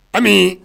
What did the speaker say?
Ami